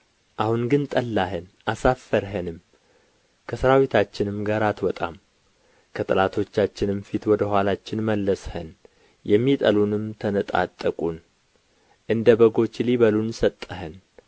አሁን ግን ጠላኸን አሳፈርኸንም ከሠራዊታችንም ጋር አትወጣም ከጠላቶቻችንም ፊት ወደ ኋላችን መለስኸን የሚጠሉንም ተነጣጠቁን እንደ በጎች ሊበሉን ሰጠኸን